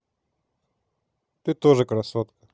ты тоже красотка